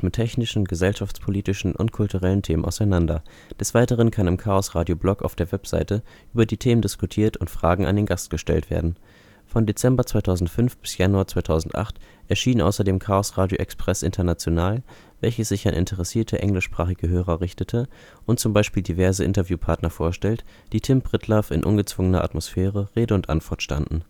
technischen, gesellschaftspolitischen und kulturellen Themen auseinander. Des Weiteren kann im Chaosradio-Blog auf der Webseite über die Themen diskutiert und Fragen an den Gast gestellt werden. Von Dezember 2005 bis Januar 2008 erschien außerdem Chaosradio Express International, welches sich an interessierte englischsprachige Hörer richtete und z. B. diverse Interviewpartner vorstellt, die Tim Pritlove in ungezwungener Atmosphäre Rede und Antwort standen